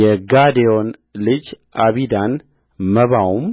የጋዴዮን ልጅ አቢዳንመባውም